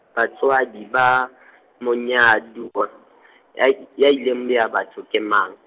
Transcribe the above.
Batswadi ba, monyaduwa, ya i- ya ileng boya batho ke mang?